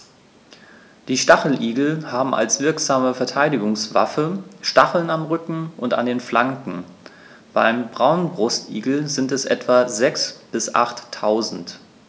Die Stacheligel haben als wirksame Verteidigungswaffe Stacheln am Rücken und an den Flanken (beim Braunbrustigel sind es etwa sechs- bis achttausend).